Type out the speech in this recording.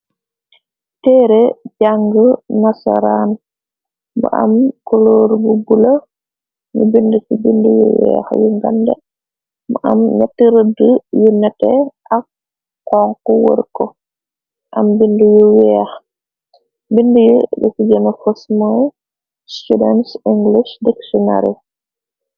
Teere jàng nazaraan bu am koloor bu bula ñu bind ci bind yu weex yu ngande mu am 3ett rëdi yu nate ak xonku wër ko am bind yu weex bind yi liki jene fosmoy students english dictionari.